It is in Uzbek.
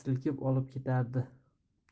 silkib olib ketardi